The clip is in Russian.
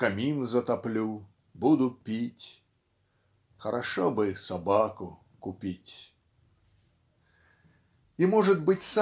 Камин затоплю, буду пить, Хорошо бы собаку купить. И может быть